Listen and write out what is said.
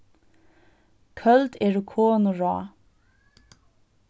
køld eru konuráð